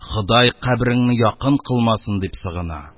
Ходай кабереңне якын кылмасын, — дип сыгына.